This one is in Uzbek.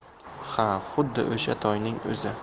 ha xuddi o'sha toyning o'zi